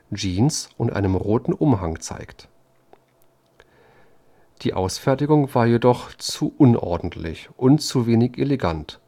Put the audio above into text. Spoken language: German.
Jeans und einem roten Umhang zeigt. Die Ausfertigung war jedoch zu unordentlich und zu wenig elegant